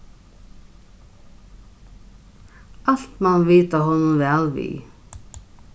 alt man vita honum væl við